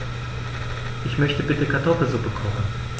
Ich möchte bitte Kartoffelsuppe kochen.